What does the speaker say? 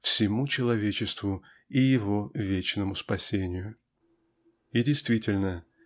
всему человечеству и его вечному спасению. И действительно